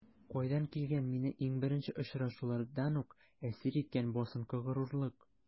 Кайдан килгән мине иң беренче очрашулардан үк әсир иткән басынкы горурлык?